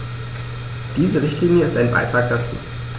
Diese Richtlinie ist ein Beitrag dazu.